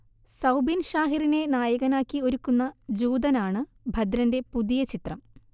സൗബിൻ ഷാഹിറിനെ നായകനാക്കി ഒരുക്കുന്ന ജൂതനാണ് ദഭ്രന്റെ പുതിയ ചിത്രം